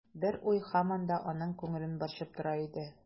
Бер уй һаман да аның күңелен борчып тора иде.